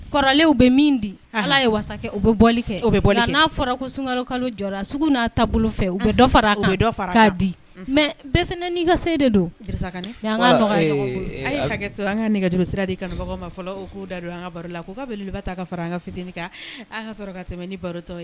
Kɔrɔlen bɛ min di u bɛ kɛ n'a fɔra ko sunka kalo jɔ n'a taabolo bolo fɛ u fara' di mɛ bɛɛ fana' ka se de don an ka nɛgɛ sira k'u da baro an ka tɛmɛ baro